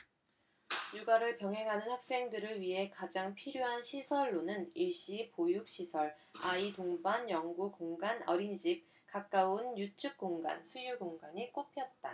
육아를 병행하는 학생들을 위해 가장 필요한 시설로는 일시 보육시설 아이 동반 연구 공간 어린이집 가까운 유축공간 수유공간이 꼽혔다